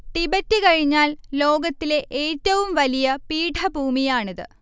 Tibet കഴിഞ്ഞാൽ ലോകത്തിലെ ഏറ്റവും വലിയ പീഠഭൂമിയാണിത്